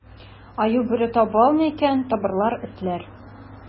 Аю, бүре таба алмый икән, табарлар этләр.